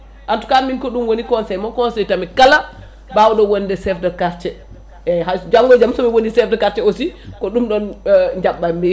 en tout cas min ko ɗum woni conseil mon conseil tamit kala bawɗo wonde chef de quartier e hayso janggo e jaam somi woni chef de quartier aussi ko ɗum ɗon jabɓammi